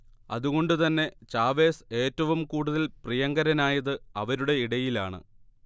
അതുകൊണ്ടുതന്നെ ചാവേസ് ഏറ്റവും കൂടുതൽ പ്രിയങ്കരനായത് അവരുടെ ഇടയിലാണ്